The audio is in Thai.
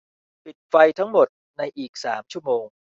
ปิดไฟทั้งหมดในอีกสามชั่วโมง